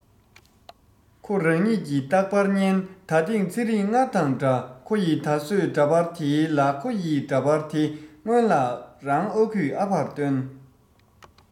ཁོ རང ཉིད ཀྱི རྟག པར བརྙན ད ཐེངས ཚེ རིང སྔར དང འདྲ ཁོ ཡི ད གཟོད ཀྱི འདྲ པར དེའི ལག ཁོ ཡི འདྲ པར དེ སྔོན ལ རང ཨ ཁུས ཨ ཕར སྟོན